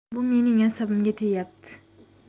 bu mening asabimga tegayapti